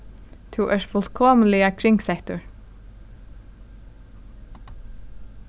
tú ert fullkomiliga kringsettur